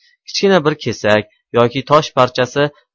kichkina bir kesak yoki tosh parchasi